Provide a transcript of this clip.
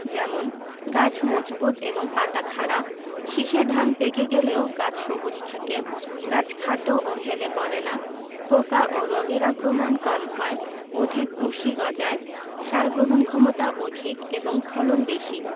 যেমন গাছ মজবুত এবং পাতা খাড়া শীষের ধান পেকে গেলেও গাছ সবুজ থাকে গাছ খাটো ও হেলে পড়ে না পোকা ও রোগের আক্রমণ কম হয় অধিক কুশি গজায় সার গ্রহণক্ষমতা অধিক এবং ফলন বেশি